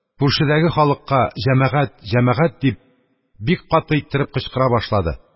Күршедәге халыкка: – Җәмәгать, җәмәгать! – дип, бик каты иттереп кычкыра башлады.